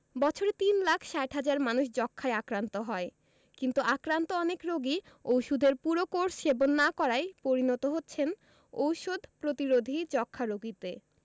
বছরে তিন লাখ ৬০ হাজার মানুষ যক্ষ্মায় আক্রান্ত হয় কিন্তু আক্রান্ত অনেক রোগী ওষুধের পুরো কোর্স সেবন না করায় পরিণত হচ্ছেন ওষুধ প্রতিরোধী যক্ষ্মা রোগীতে